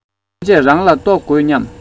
ཐམས ཅད རང ལ གཏོགས དགོས སྙམ